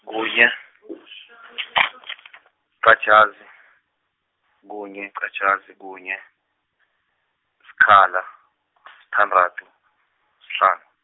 kunye , -qatjhazi, kunye, -qatjhazi, kunye, sikhala , sithandathu, sihlanu.